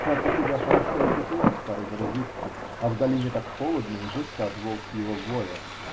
Как у тебя хорошо и тепло, старый дружище, а в долине так холодно и жутко от волчьего воя.